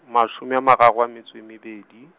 mashome a mararo a metso e mebedi.